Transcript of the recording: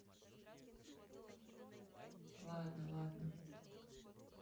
ладно ладно